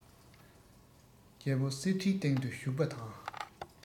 རྒྱལ པོ གསེར ཁྲིའི སྟེང དུ བཞུགས པ དང